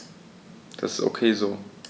Das ist ok so.